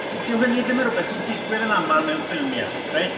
dyw hynny ddim yn rwbeth sy'n digwydd yn amal mewn ffilmie reit